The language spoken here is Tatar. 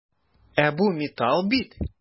Ә бу металл бит!